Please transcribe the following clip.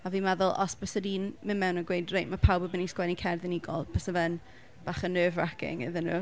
A fi'n meddwl, os byswn i'n mynd mewn a gweud "reit ma' pawb yn mynd i sgwennu cerdd unigol" bysa fe'n bach yn nerve-racking iddyn nhw.